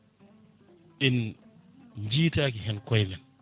en jiitaki hen koye men